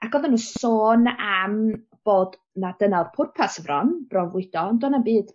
Ac oddan n'w sôn am bod 'na dyna o'dd pwrpas y fron, bronfwydo on' do' na'm byd